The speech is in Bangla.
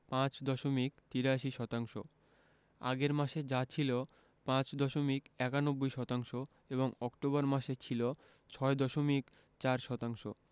৫ দশমিক ৮৩ শতাংশ আগের মাসে যা ছিল ৫ দশমিক ৯১ শতাংশ এবং অক্টোবর মাসে ছিল ৬ দশমিক ০৪ শতাংশ